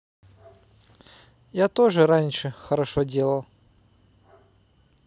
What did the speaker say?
я тоже раньше хорошо дела